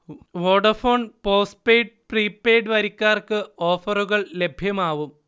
Vodafone postpaid, prepaid വരിക്കാർക്ക് ഓഫറുകൾ ലഭ്യമാവും